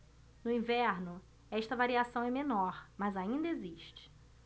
no inverno esta variação é menor mas ainda existe